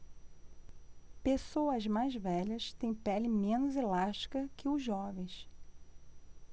pessoas mais velhas têm pele menos elástica que os jovens